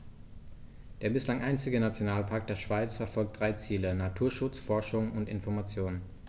Der bislang einzige Nationalpark der Schweiz verfolgt drei Ziele: Naturschutz, Forschung und Information.